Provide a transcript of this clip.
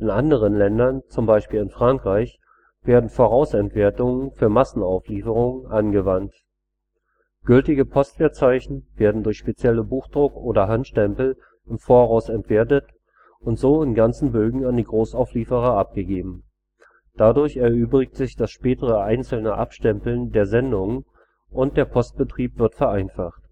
anderen Ländern zum Beispiel in Frankreich werden Vorausentwertungen für Massenauflieferungen angewandt. Gültige Postwertzeichen werden durch spezielle Buchdruck - oder Handstempel im Voraus entwertet und so in ganzen Bögen an die Großauflieferer abgegeben. Dadurch erübrigt sich das spätere einzelne Abstempeln der Sendungen und der Postbetrieb wird vereinfacht